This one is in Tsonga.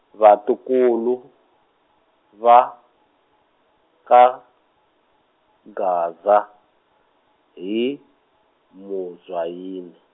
vatukulu, va, ka, Gaza, hi, Muzwayine.